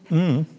ja.